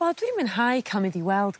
Wel dwi 'di mwynhau ca'l mynd i weld